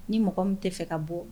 Ni mɔgɔ min tɛ fɛ ka bɔ